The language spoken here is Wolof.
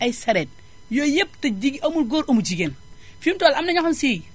ay charettes yooyu yépp te jige amul góor amul jigéen fim toll am na ñoo xam ne sii